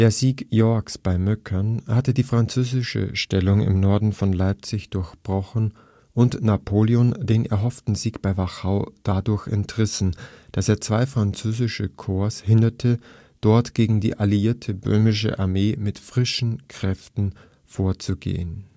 Sieg Yorcks bei Möckern hatte die französische Stellung im Norden von Leipzig durchbrochen und Napoleon den erhofften Sieg bei Wachau dadurch entrissen, dass er zwei französische Korps hinderte, dort gegen die alliierte Böhmische Armee mit frischen Kräften vorzugehen